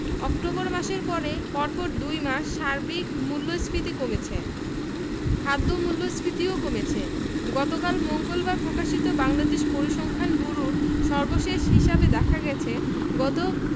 October মাসের পরে পরপর দুই মাস সার্বিক মূল্যস্ফীতি কমেছে খাদ্য মূল্যস্ফীতিও কমেছে গতকাল মঙ্গলবার প্রকাশিত বাংলাদেশ পরিসংখ্যান ব্যুরোর সর্বশেষ হিসাবে দেখা গেছে গত